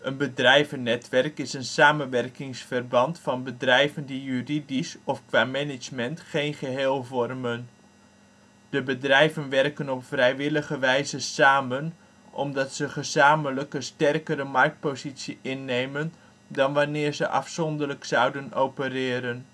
bedrijvennetwerk is een samenwerkingsverband van bedrijven die juridisch of qua management geen geheel vormen. De bedrijven werken op vrijwillige wijze samen, omdat ze gezamenlijk een sterkere marktpositie innemen dan wanneer ze afzonderlijk zouden opereren